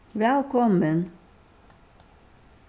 vælkomin